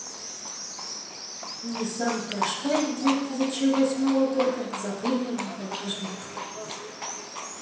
ниссан кашкай две тысячи восьмого года заклинил багажник